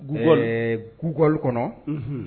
B bɔugukɔli kɔnɔ